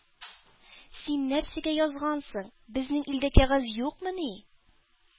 — син нәрсәгә язгансың! безнең илдә кәгазь юкмыни? —